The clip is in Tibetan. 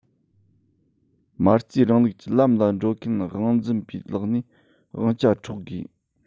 མ རྩའི རིང ལུགས ཀྱི ལམ ལ འགྲོ མཁན དབང འཛིན པའི ལག ནས དབང ཆ འཕྲོག དགོས